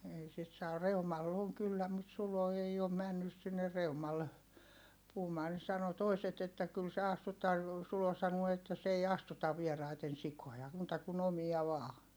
ei sitten saa Reumalla on kyllä mutta Sulo ei ole mennyt sinne Reumalle puhumaan ne sanoi toiset että kyllä se astuttaa Sulo sanoo että se ei astuta vieraiden sikoja muuta kuin omia vain